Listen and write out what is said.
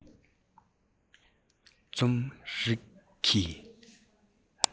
རྩོམ རིག གི